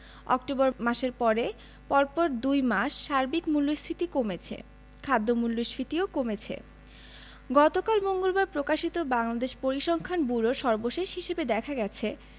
October মাসের পরে পরপর দুই মাস সার্বিক মূল্যস্ফীতি কমেছে খাদ্য মূল্যস্ফীতিও কমেছে গতকাল মঙ্গলবার প্রকাশিত বাংলাদেশ পরিসংখ্যান ব্যুরোর সর্বশেষ হিসাবে দেখা গেছে